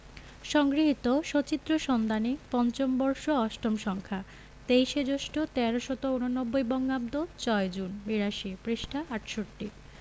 সংগৃহীত সচিত্র সন্ধানী৫ম বর্ষ ৮ম সংখ্যা ২৩শে জ্যৈষ্ঠ ১৩৮৯ বঙ্গাব্দ ৬ জুন৮২ পৃষ্ঠা ৬৮